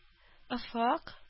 Офык